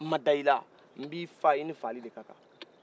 n ma da i la nb'i faa i ni faali de kakan